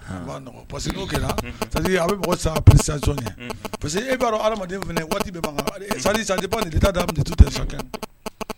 Parce que kɛra a bɛ sa parce que i b'a dɔn adamaden waati datu tɛ